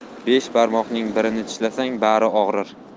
besh barmoqning birini tishlasang bari og'rir